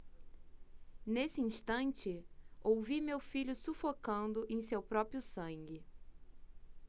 nesse instante ouvi meu filho sufocando em seu próprio sangue